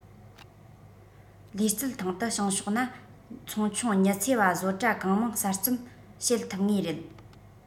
ལུས རྩལ ཐང དུ བྱང ཕྱོགས ན ཚོང ཆུང ཉི ཚེ བ བཟོ གྲྭ གང མང གསར རྩོམ བྱེད ཐུབ ངེས རེད